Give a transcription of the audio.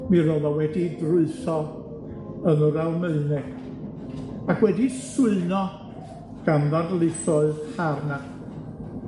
mi ro'dd o wedi'i drwytho yn yr Almaeneg, ac wedi'i swyno gan ddarlithoedd Harnack